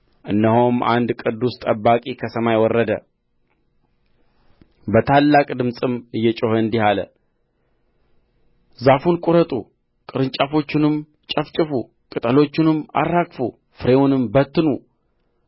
እነሆም አንድ ቅዱስ ጠባቂ ከሰማይ ወረደ በታላቅ ድምፅም እየጮኸ እንዲህ አለ ዛፉን ቍረጡ ቅርንጫፎቹንም ጨፍጭፉ ቅጠሎቹንም አራግፉ ፍሬውንም በትኑ